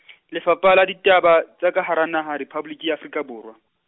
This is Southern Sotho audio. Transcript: Lefapha la Ditaba, tsa ka Hara Naha Rephaboliki ya Afrika Borwa.